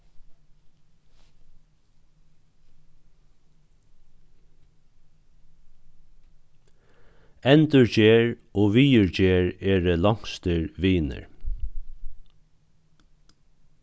endurgerð og viðurgerð eru longstir vinir